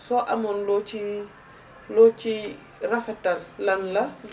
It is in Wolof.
soo amoon loo ciy loo ciy rafetal lan la